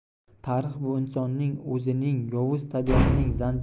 tarix bu insonning o'zining yovuz tabiatining